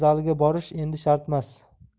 zaliga borish endi shart emas